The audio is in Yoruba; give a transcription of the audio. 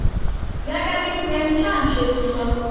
Gẹ́gẹ́ bí Prem Chand ṣe ti sọ: